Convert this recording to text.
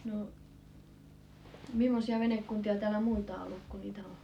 no mimmoisia venekuntia täällä muita on ollut kun niitä on